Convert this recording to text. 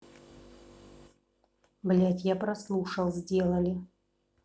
блядь я прослушал сделали